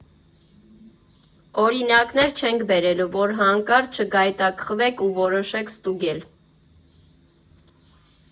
Օրինակներ չենք բերելու, որ հանկարծ չգայթակղվեք ու որոշեք ստուգել։